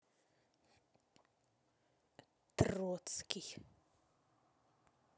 троцкий